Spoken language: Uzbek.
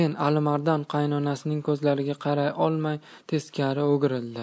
alimardon qaynonasining ko'zlariga qaray olmay teskari o'girildi